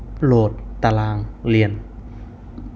โหลดตารางเรียน